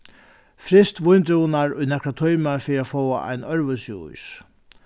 fryst víndrúvurnar í nakrar tímar fyri at fáa ein øðrvísi ís